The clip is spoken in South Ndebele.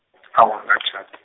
awa angatjhad-.